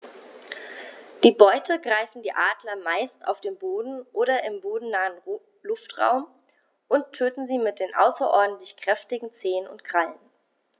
Die Beute greifen die Adler meist auf dem Boden oder im bodennahen Luftraum und töten sie mit den außerordentlich kräftigen Zehen und Krallen.